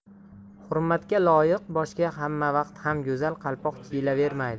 hurmatga loyiq boshga hammavaqt ham go'zal qalpoq kiyilavermaydi